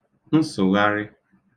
nsụ̀gharị